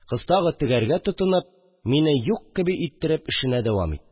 Кыз, тагы тегәргә тотынып, мине юк кеби иттереп эшене дәвам итте